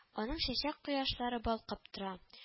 Аның чәчәк-кояшлары балкып тора